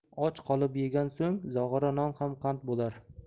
och qolib yegan so'ng zog'ora non ham qand bo'lar